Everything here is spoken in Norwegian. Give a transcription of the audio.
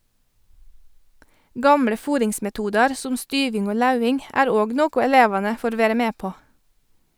Gamle fôringsmetodar som styving og lauving er òg noko elevane får vere med på.